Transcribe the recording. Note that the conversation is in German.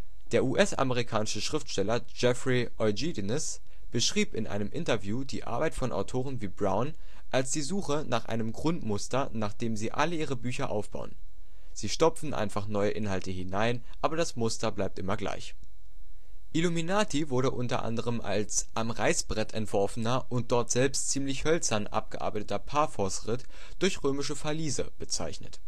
Der US-amerikanische Schriftsteller Jeffrey Eugenides beschrieb in einem Interview die Arbeit von Autoren wie Brown als die Suche nach einem „ Grundmuster, nach dem sie alle ihre Bücher aufbauen. Sie stopfen einfach neue Inhalte hinein, aber das Muster bleibt immer gleich. “Illuminati wurde unter anderem als „ am Reißbrett entworfener und dortselbst ziemlich hölzern abgearbeiteter Parforce-Ritt durch römische Verliese “bezeichnet